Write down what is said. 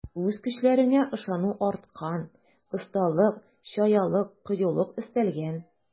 Үз көчләренә ышану арткан, осталык, чаялык, кыюлык өстәлгән.